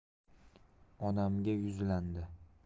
onamga yuzlandi